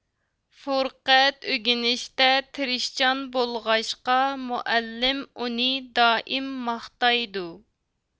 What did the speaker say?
فۇرقەت ئۆگىنىشتە تىرىشچان بولغاچقا مۇئەللىم ئۇنى دائىم ماختايدۇ